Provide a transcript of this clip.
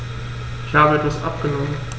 Ich habe etwas abgenommen.